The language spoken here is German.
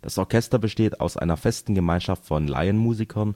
Das Orchester besteht aus einer festen Gemeinschaft von Laienmusikern